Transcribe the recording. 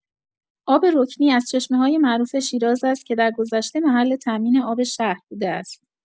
آب رکنی از چشمه‌های معروف شیراز است که درگذشته محل تامین آب شهر بوده است.